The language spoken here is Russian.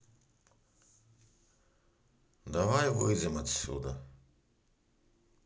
давай выйдем отсюда